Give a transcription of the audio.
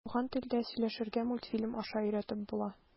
Туган телдә сөйләшергә мультфильм аша өйрәтеп була.